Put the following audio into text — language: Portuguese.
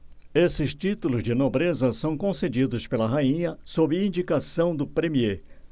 esses títulos de nobreza são concedidos pela rainha sob indicação do premiê